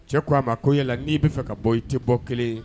Cɛ k ko a ma ko yala la n'i bɛ fɛ ka bɔ i tɛ bɔ kelen ye